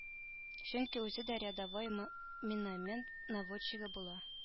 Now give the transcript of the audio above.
Чөнки үзе дә рядовой мы миномент наводчигы була